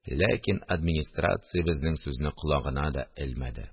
Ләкин администрация безнең сүзне колагына да элмәде